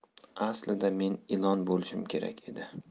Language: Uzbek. aslida men ilon bo'lishim kerak edi